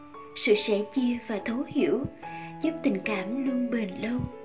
sự sẻ chia và thấu hiểu giúp tình cảm luôn bền lâu